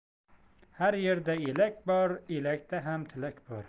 har yerda elak bor elakda tilak bor